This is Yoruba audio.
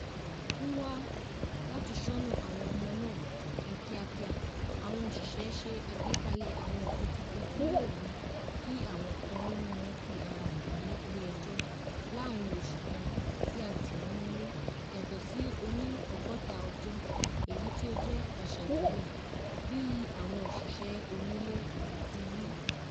N wa lati ṣoṅa awọn ọmọ naa ni kiakia, awọn oṣiṣẹ ṣe agbekalẹ awọn ofin tuntun ti yoo ni ki awọn kan nínú wọn fi ara han ni ile ẹjọ laarin oṣu kan ti a ti wọn mọle, yatọsi oni ọgọta ọjọ, eyi ti o jẹ aṣa tẹlẹ, bii awọn oṣiṣẹ onile ti wi.